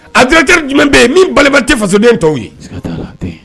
Ajri jumɛn bɛ ye min baliba tɛ fasoden tɔw ye